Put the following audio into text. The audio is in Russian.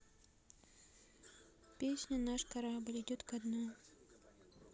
песня наш корабль идет ко дну